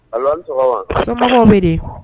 So bɛ de